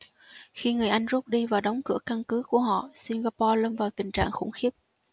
khi người anh rút đi và đóng cửa căn cứ của họ singapore lâm vào tình trạng khủng khiếp